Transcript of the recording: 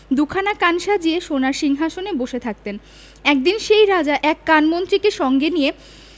দুখানা কান সাজিয়ে সোনার রাজসিংহাসনে বসে থাকতেন একদিন সেই রাজা এক কান মন্ত্রীকে সঙ্গে নিয়ে